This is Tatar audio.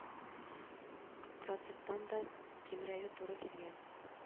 Проценттан да кимрәге туры килгән